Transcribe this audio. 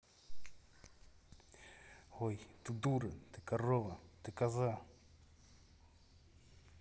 ой ты дура ты корова ты коза